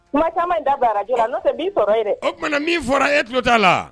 Kuma caman da baraj la n'o tɛ bin sɔrɔ ye o tumaumana min fɔra e tulo t'a la